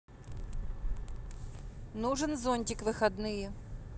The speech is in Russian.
нужен зонтик в выходные